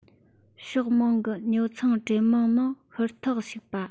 ཕྱོགས མང གི ཉོ ཚོང གྲོས མོལ ནང ཧུར ཐག ཞུགས པ